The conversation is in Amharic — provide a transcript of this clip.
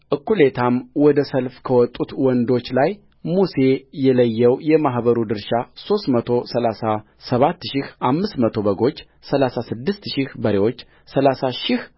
እኩሌታም ወደ ሰልፍ ከወጡት ወንዶች ላይ ሙሴ የለየውየማኅበሩ ድርሻ ሦስት መቶ ሠላሳ ሰባት ሺህ አምስት መቶ በጎችሠላሳ ስድስት ሺህ በሬዎችሠላሳ ሺህ